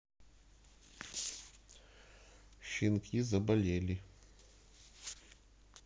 щенки заболели